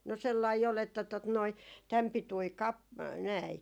no sellainen oli että tuota noin tämän pituinen - näin